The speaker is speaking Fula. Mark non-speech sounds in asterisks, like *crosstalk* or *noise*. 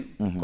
*hesitation* *hesitation*